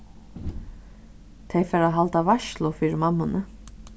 tey fara at halda veitslu fyri mammuni